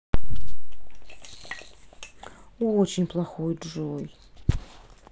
очень плохо джой